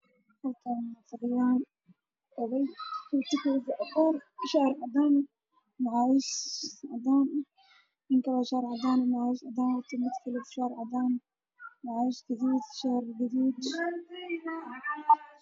Waa masaajid waxaa fadhiya niman waaweyn iyo ilmo yar oo isku dhex jiraan oo wataan shaatiyo fana